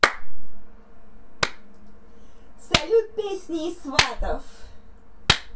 салют песни из сватов